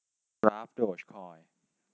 กราฟดอร์จคอย